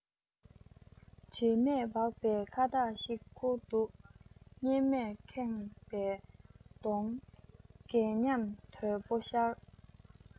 དྲི མས སྦགས པའི ཁ བཏགས ཤིག ཁུར འདུག གཉེར མས ཁེངས པའི གདོང རྒས ཉམས དོད པོ ཤར